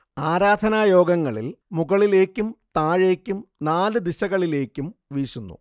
ആരാധനായോഗങ്ങളിൽ മുകളിലേക്കും താഴേയ്ക്കും നാല് ദിശകളിലേക്കും വീശുന്നു